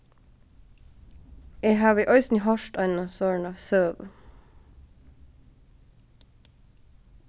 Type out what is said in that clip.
eg havi eisini hoyrt eina sovorðna søgu